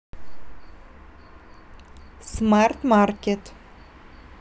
smart market